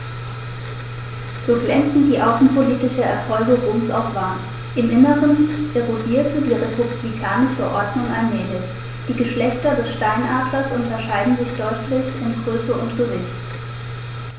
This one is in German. So glänzend die außenpolitischen Erfolge Roms auch waren: Im Inneren erodierte die republikanische Ordnung allmählich. Die Geschlechter des Steinadlers unterscheiden sich deutlich in Größe und Gewicht.